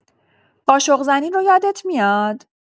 قاشق‌زنی رو یادت میاد؟